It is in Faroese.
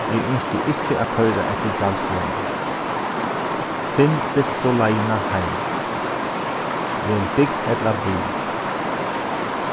eg ynski ikki at koyra eftir gjaldsvegnum finn stytstu leiðina heim vel bygd ella bý